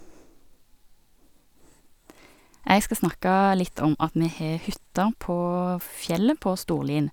Jeg skal snakke litt om at vi har hytte på fjellet, på Storlien.